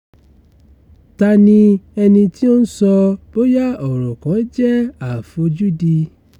Ta ni ẹni tí ó ń sọ bóyá ọ̀rọ̀ kan jẹ́ àfojúdi?